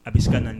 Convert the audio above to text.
A bɛ se na